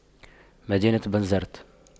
مدينة بنزرت